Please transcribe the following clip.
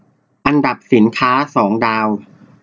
อันดับสินค้าสองดาว